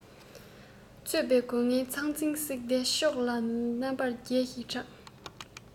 རྩོད པས རྒོལ ངན ཚང ཚིང བསྲེགས ཏེ ཕྱོགས ལས རྣམ པར རྒྱལ ཞེས གྲགས